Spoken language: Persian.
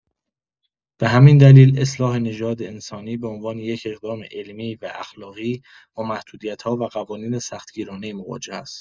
به همین دلیل، اصلاح نژاد انسانی به‌عنوان یک اقدام علمی و اخلاقی، با محدودیت‌ها و قوانین سخت‌گیرانه‌ای مواجه است.